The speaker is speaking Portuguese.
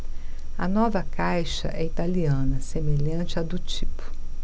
a nova caixa é italiana semelhante à do tipo